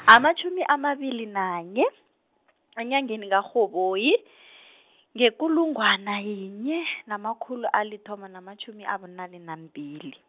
amatjhumi amabili nanye, enyangeni kaRhoboyi, ngekulungwana yinye, namakhulu alithoba namatjhumi abunane nambili.